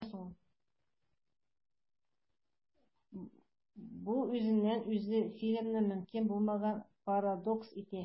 Бу үзеннән-үзе фильмны мөмкин булмаган парадокс итә.